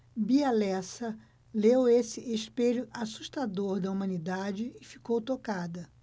bia lessa leu esse espelho assustador da humanidade e ficou tocada